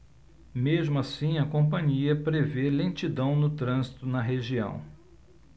mesmo assim a companhia prevê lentidão no trânsito na região